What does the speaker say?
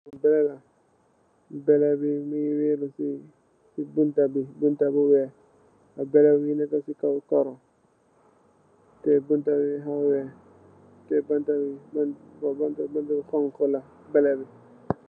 Lii bale la, bale bi mungi weedu si bunta bi, bunta bu weeh, te bale bi mungi neka si kaw karo, te bunta bi mu weeh, te banta bi banta bu xonxu la, bale bi.